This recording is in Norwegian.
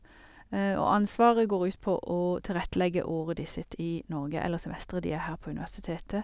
Og ansvaret går ut på tilrettelegge året de sitt i Norge eller semesteret de er her på universitetet.